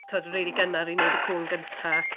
tibod, yn rili gynnar i wneud y cŵn gyntaf.